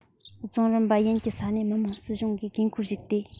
རྫོང རིམ པ ཡན གྱི ས གནས མི དམངས སྲིད གཞུང གིས དགོས མཁོར གཞིགས ཏེ